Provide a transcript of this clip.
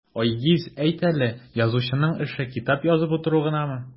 Айгиз, әйт әле, язучының эше китап язып утыру гынамы?